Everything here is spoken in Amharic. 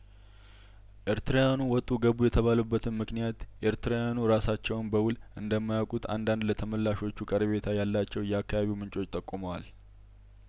ኤርትራውያኑ ውጡ ግቡ የተባሉ በትንምክንያት ኤርትራውያኑ ራሳቸውም በውል እንደማያውቁት አንዳንድ ለተመላሾቹ ቀረቤታ ያላቸው የአካባቢውምንጮች ጠቁመዋል